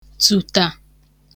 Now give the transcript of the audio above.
tùtà